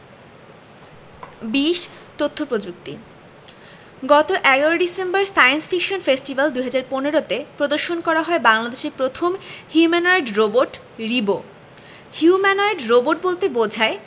২০ তথ্য প্রযুক্তি গত ১১ ডিসেম্বর সায়েন্স ফিকশন ফেস্টিভ্যাল ২০১৫ তে প্রদর্শন করা হয় বাংলাদেশের প্রথম humanoid robot Ribo humanoid robot বলতে বোঝায়